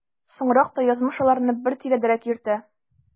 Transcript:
Соңрак та язмыш аларны бер тирәдәрәк йөртә.